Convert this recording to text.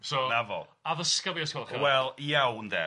Wel iawn de.